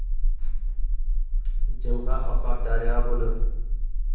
jilg'a oqar daryo bo'lur